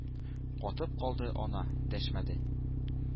Катып калды ана, дәшмәде,